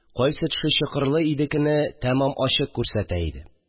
Кайсы төше чокырлы идекене тәмам ачык күрсәтә иде